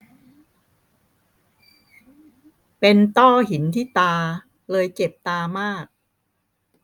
เป็นต้อหินที่ตาเลยเจ็บตามาก